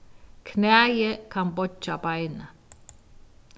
knæið kann boyggja beinið